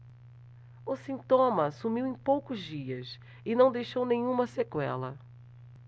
o sintoma sumiu em poucos dias e não deixou nenhuma sequela